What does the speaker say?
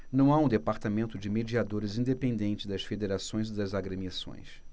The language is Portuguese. não há um departamento de mediadores independente das federações e das agremiações